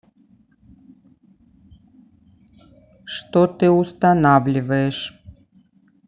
что ты устанавливаешь